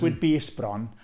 Ysgwyd bys bron.